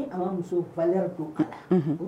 A b'a muso bali ka don. Un hun.